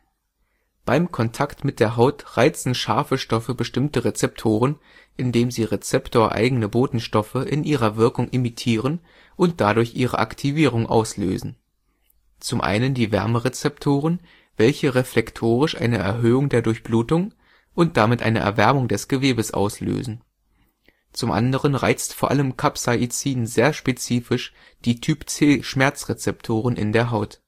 Beim Kontakt mit der Haut reizen scharfe Stoffe bestimmte Rezeptoren, indem sie rezeptoreigene Botenstoffe in ihrer Wirkung imitieren und dadurch ihre Aktivierung auslösen. Zum einen die Wärme-Rezeptoren, welche reflektorisch eine Erhöhung der Durchblutung und damit eine Erwärmung des Gewebes auslösen. Zum anderen reizt vor allem Capsaicin sehr spezifisch die Typ C-Schmerzrezeptoren in der Haut